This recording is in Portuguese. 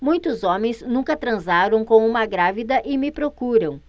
muitos homens nunca transaram com uma grávida e me procuram